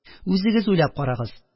Үзегез уйлап карагыз